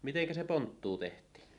miten se ponttuu tehtiin